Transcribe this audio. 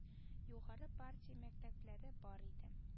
Югары партия мәктәпләре бар иде